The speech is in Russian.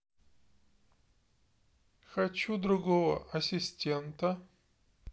хочу другого ассистента